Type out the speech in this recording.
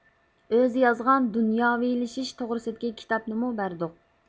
ئۆزى يازغان دۇنياۋىلىشىش توغرىسىدىكى كىتابنىمۇ بەردۇق